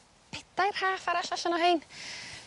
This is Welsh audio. pedair rhaff arall allan o 'hein.